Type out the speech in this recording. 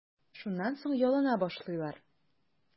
Шуннан соң ялына башлыйлар.